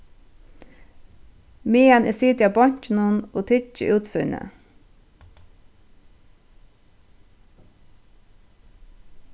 meðan eg siti á bonkinum og tyggi útsýnið